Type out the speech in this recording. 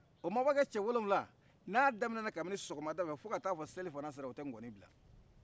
o mabɔkɛ cɛ wolonfila n'a damina kabini sɔgɔmada fɛ fo ka ta fɔ selifana sera u tɛ ŋɔni bila